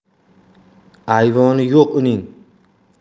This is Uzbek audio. ayvoni yo'q uning